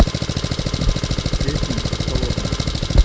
песни из холодного